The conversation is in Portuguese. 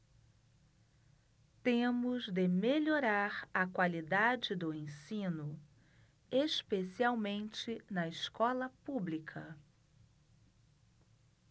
temos de melhorar a qualidade do ensino especialmente na escola pública